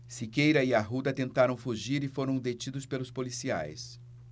siqueira e arruda tentaram fugir e foram detidos pelos policiais